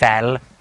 fel